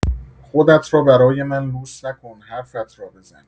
خودت را برای من لوس نکن، حرفت را بزن.